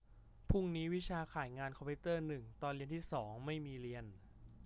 พรุ่งนี้วิชาข่ายงานคอมพิวเตอร์หนึ่งตอนเรียนที่สองไม่มีเรียน